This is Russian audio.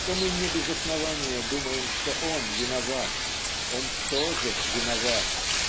то мы не без основания думаем что он виноват он тоже виноват.